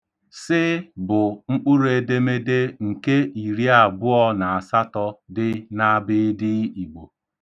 'S' bụ mkpụrụedemede nke iri abụọ na asatọ dị n'abịịdịị Igbo.